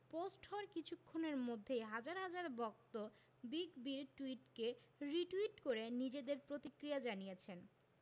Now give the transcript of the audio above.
post হওয়ার কিছুক্ষণের মধ্যেই হাজার হাজার ভক্ত বিগ বির টুইটকে রিটুইট করে নিজেদের প্রতিক্রিয়া জানিয়েছেন